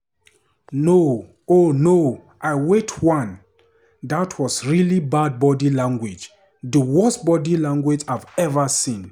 No, uh no, I wait one - that was really bad body language - the worst body language I've ever seen."